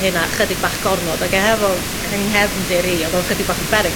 hynna chydig bach gormod ag efo 'yng nghefndir i odd o ychydig bach yn beryg.